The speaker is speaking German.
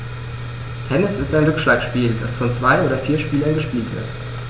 Tennis ist ein Rückschlagspiel, das von zwei oder vier Spielern gespielt wird.